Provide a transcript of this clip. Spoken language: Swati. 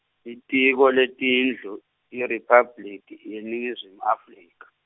Litiko leTetindlu IRiphabliki yeNingizimu Afrika.